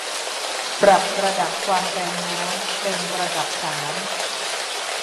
ปรับระดับความแรงน้ำเป็นระดับสาม